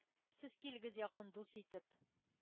Сез килегез, якын дус итеп,